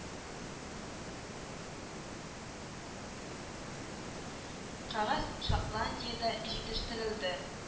Кәгазь Шотландиядә җитештерелде